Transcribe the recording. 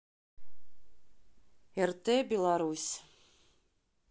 рт беларусь